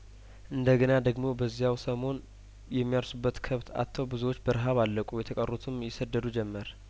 እንደ ገና ደግሞ በዚያው ሰሞን የሚያርሱበት ከብት አጥተው ብዙዎች በረሀብ አለቁ የተቀሩትም ይሰደዱ ጀመር